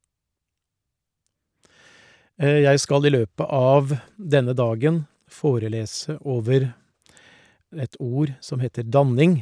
Jeg skal i løpet av denne dagen forelese over et ord som heter danning.